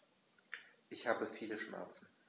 Ich habe viele Schmerzen.